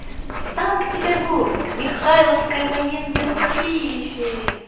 санкт петербург михайловское военное училище